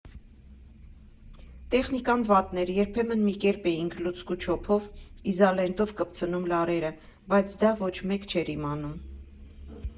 Տեխնիկան վատն էր, երբեմն մի կերպ էինք լուցկու չոփով, իզալենտով կպցնում լարերը, բայց դա ոչ մեկ չէր իմանում»։